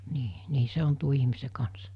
niin niin se on tuon ihmisen kanssa